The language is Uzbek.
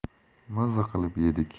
maza qilib yedik